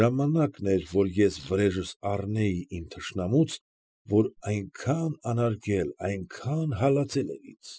Ժամանակն էր, որ ես վրեժս առնեի իմ թշնամուց, որ այնքան անարգել, այնքան հալածել էր ինձ։